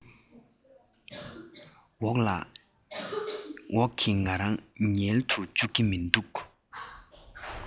འོག གི ང རང ཉལ དུ བཅུག གི མི འདུག